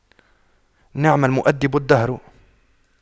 نعم المؤَدِّبُ الدهر